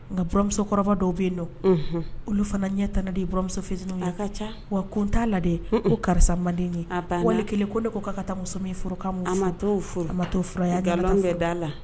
Nkauramusokɔrɔba dɔw bɛ yen don olu fana ɲɛ tanana de yemuso ka ca wa kun t'a la de ko karisa mande wale kelen ko de ko k' ka taa muso min furu ma la